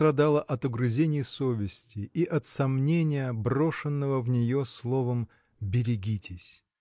страдала от угрызений совести и от сомнения брошенного в нее словом Берегитесь!